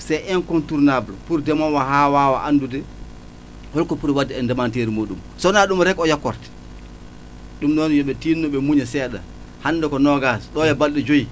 c' est incontournable